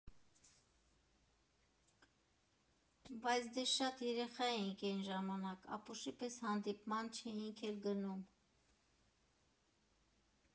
Բայց դե շատ երեխա էինք էն ժամանակ, ապուշի պես հանդիպման չէինք էլ գնում։